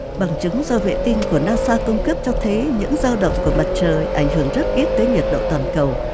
bằng chứng do vệ tinh của na sa cung cấp cho thấy những dao động của mặt trời ảnh hưởng rất ít tới nhiệt độ toàn cầu